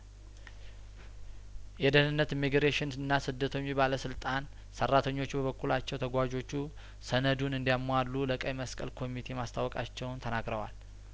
የደህንነት ኢሚግሬሽንና ስደተኞች ባለስልጣን ሰራተኞች በበኩላቸው ተጓዦቹ ሰነዱን እንዲያሟሉ ለቀይ መስቀል ኮሚቴው ማስታወቃቸውን ተናግረዋል